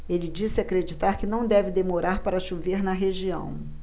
ele disse acreditar que não deve demorar para chover na região